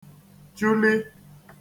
chụli